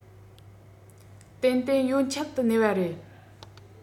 ཏན ཏན ཡོངས ཁྱབ ཏུ གནས པ རེད